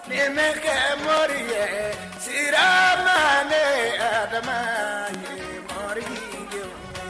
Nin bɛ kɛ Mɔri yɛ, silamɛ ne ye Adama ye, mɔridenw ye.